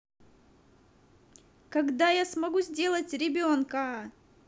когда я смогу сделать ребенка